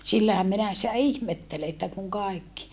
sillähän minä sitä ihmettelen että kun kaikki